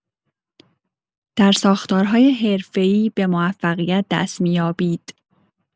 در ساختارهای حرفه‌ای به موفقیت دست می‌یابید.